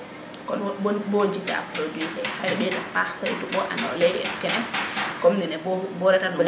kon wo bo jika produit fe xayo ndet par 5 bo an comme nene bo reta tona